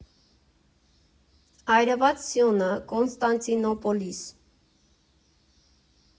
Այրված սյունը, Կոստանդնուպոլիս։